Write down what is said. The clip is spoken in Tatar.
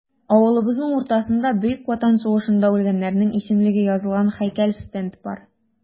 Авылыбызның уртасында Бөек Ватан сугышында үлгәннәрнең исемлеге язылган һәйкәл-стенд бар.